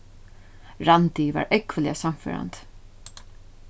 randi var ógvuliga sannførandi